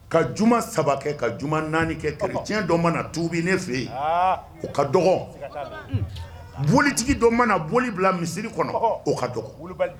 Ka juma 3 kɛ ka juma 4 kɛ keretiɲɛ dɔ ma na tubi ne fe yen, o ka dɔgɔ .bolitigi dɔ mana boli bila misiri kɔnɔ o ka dɔgɔ.